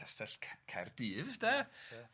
castell Ca- Caerdydd 'de? Ia.